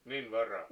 niin varhain